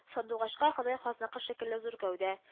Сандугачка Ходай хазныкы шикелле зур гәүдә